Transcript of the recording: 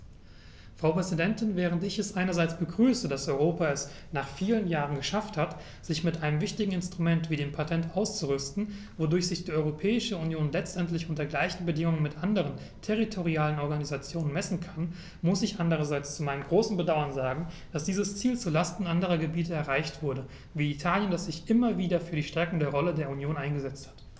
Frau Präsidentin, während ich es einerseits begrüße, dass Europa es - nach vielen Jahren - geschafft hat, sich mit einem wichtigen Instrument wie dem Patent auszurüsten, wodurch sich die Europäische Union letztendlich unter gleichen Bedingungen mit anderen territorialen Organisationen messen kann, muss ich andererseits zu meinem großen Bedauern sagen, dass dieses Ziel zu Lasten anderer Gebiete erreicht wurde, wie Italien, das sich immer wieder für die Stärkung der Rolle der Union eingesetzt hat.